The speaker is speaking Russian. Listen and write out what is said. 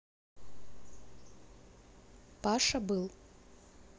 паша был